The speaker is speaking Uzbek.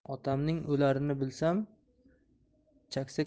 otamning o'larini bilsam chaksa